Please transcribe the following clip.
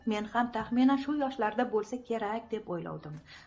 men ham taxminan shu yoshlarda bo'lsa kerak deb o'ylovdim